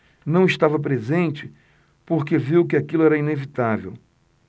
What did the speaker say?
não estava presente porque viu que aquilo era inevitável